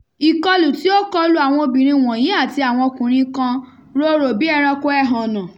Ìkọlù tí ó kọ lu àwọn obìnrin wọ̀nyí (àti àwọn ọkùnrin kan) rorò bí ẹranko ẹhànnà.